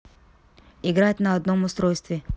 играть на одном устройстве